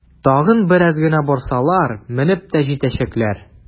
Тагын бераз гына барсалар, менеп тә җитәчәкләр!